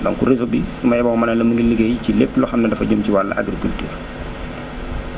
donc réseau bi su ma yeboo ma ne la mu ngi liggéey ci lépp loo xam ne dafa jëmci wàllu agriculture